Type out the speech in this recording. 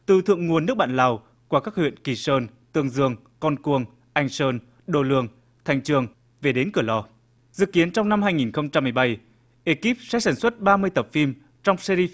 từ thượng nguồn nước bạn lào qua các huyện kỳ sơn tương dương con cuông anh sơn đô lương thanh chương về đến cửa lò dự kiến trong năm hai nghìn không trăm mười bảy ê kíp sẽ sản xuất ba mươi tập phim trong se ri